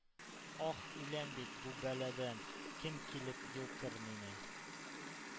Аһ, үләм бит, бу бәладән кем килеп йолкыр мине?»